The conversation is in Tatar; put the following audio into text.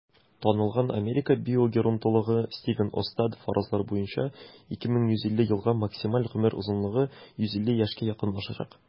Танылган Америка биогеронтологы Стивен Остад фаразлары буенча, 2150 елга максималь гомер озынлыгы 150 яшькә якынлашачак.